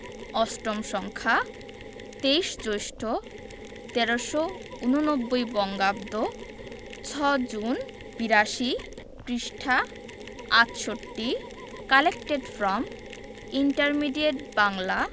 ৮ম সংখ্যা ২৩ জ্যৈষ্ঠ ১৩৮৯ বঙ্গাব্দ ৬ জুন ৮২ পৃষ্ঠাঃ ৬৮ কালেক্টেড ফ্রম ইন্টারমিডিয়েট বাংলা